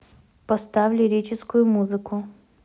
поставь лирическую музыку